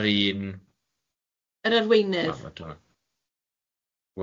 Yr un... Yr arweinydd?